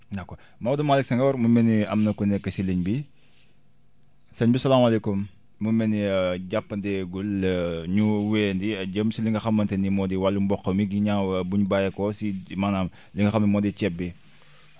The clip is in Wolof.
d' accord Maodo Malick Senghor mu mel ne am na ku nekk si ligne bi sëñ bi salaamaaleykum mu mel ni jàppandeegul ñu wéyandi jëm si li nga xamante ni moo di wàllum mboq mi ginnaaw bi ñu bàyyeekoo ci maanaam li nga xam ne moo di ceeb bi